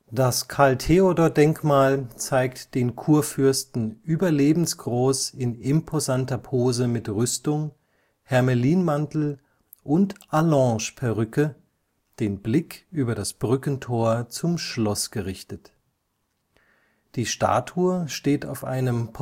Das Karl-Theodor-Denkmal zeigt den Kurfürsten überlebensgroß in imposanter Pose mit Rüstung, Hermelinmantel und Allongeperücke, den Blick über das Brückentor zum Schloss gerichtet. Die Statue steht auf einem